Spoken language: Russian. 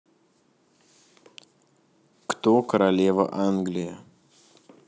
кто королева англии